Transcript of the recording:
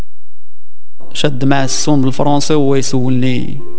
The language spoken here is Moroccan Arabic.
شد مع الصوم بالفرنساوي